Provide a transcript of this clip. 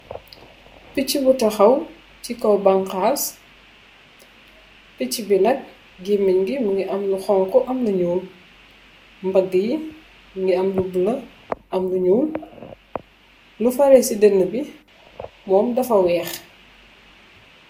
Pitchi bu takhaw si kaw bang khass pitchi bi nak gemenye bi mungi am lu xong khu am lu nyul mbaguh yi mungi am lu bulah lu nyul lu fareh si dann nuh bi mom dafa weex.